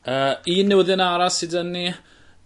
Yy un newyddion arall sy 'da ni.